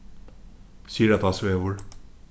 syðradalsvegur